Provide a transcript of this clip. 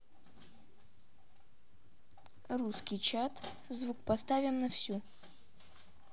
русский чат звук поставим на всю